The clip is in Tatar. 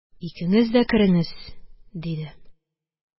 – икеңез дә кереңез, – диде.